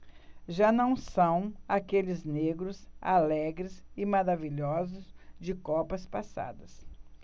já não são aqueles negros alegres e maravilhosos de copas passadas